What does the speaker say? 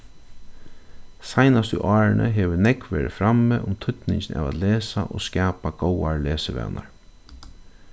seinastu árini hevur nógv verið frammi um týdningin av at lesa og skapa góðar lesivanar